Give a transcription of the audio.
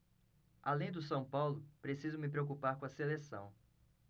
além do são paulo preciso me preocupar com a seleção